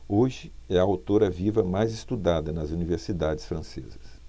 hoje é a autora viva mais estudada nas universidades francesas